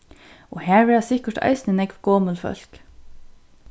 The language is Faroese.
og har verða sikkurt eisini nógv gomul fólk